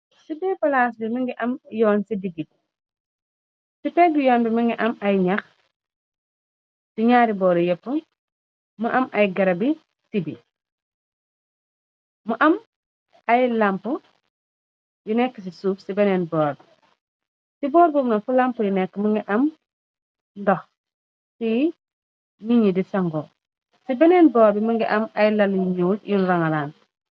Cii birr palaas bi mongi am yoon ci beti ci peegi yoon bi mongi am ay ñax ci ñaari booru yéppa mu am ay garab bi sibi mu am ay lampa yu neka ci suuf ci beneen borr ci boor bobu nonu fu lampa yi neka mongi am ndox fi nitti di sango ci beneen boor bi mongi am ay laal yu ñuul yu nu rangalante.